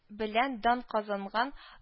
Белән дан казанган